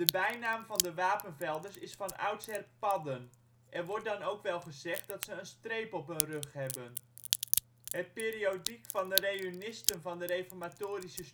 bijnaam van de Wapenvelders is van oudsher " Padden ", er wordt dan ook wel gezegd dat ze een streep op hun rug hebben. Het periodiek van de reünisten van de reformatorische